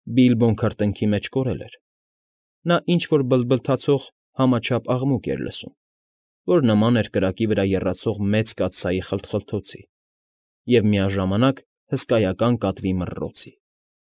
Բիլբոն քրտինքի մեջ կորել էր, նա ինչ֊որ բլթբլթացող համաչափ աղմուկ էր լսում, որ նման էր կրակի վրա եռացող մեծ կաթսայի խլթխլթոցի և, միաժամանակ, հսկայական կատվի մռռոցի։